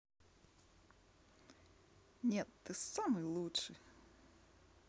нет ты самый лучший